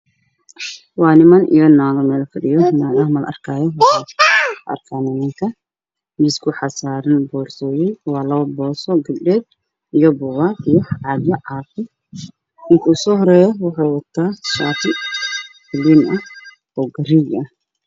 Waa niman iyo naago meel fadhiya naagaha mala arkaayo waxaa la arkaa nimanka miiska waxaa saaran boorsooyin waa labo boorso gabdheed iyo buugaag iyo caagyo caafi ninka u soo horeeyo waxuu wataa shaati biin ah oo gariij ah.